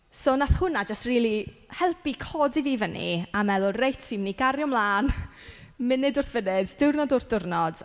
So wnaeth hwnna jyst rili helpu codi fi fyny a meddwl "Reit, fi'n mynd i gario mlaen munud wrth funud, diwrnod wrth diwrnod."